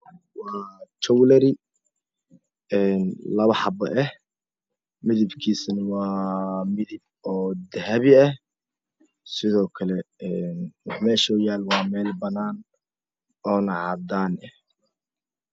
Waa jowlari laba xabo ah medebkisuna waaa midab dahabi ah sidoo kale een mesha waa mel banaan oona cadan eh